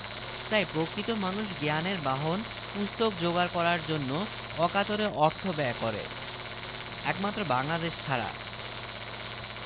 তাই প্রকৃত মানুষ জ্ঞানের বাহন পুস্তক যোগাড় করার জন্য অকাতরে অর্থ ব্যয় করে একমাত্র বাঙলা দেশ ছাড়া